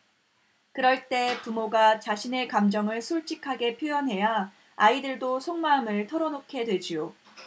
그럴 때 부모가 자신의 감정을 솔직하게 표현해야 아이들도 속마음을 털어 놓게 되지요